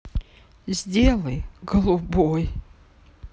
сделай голубой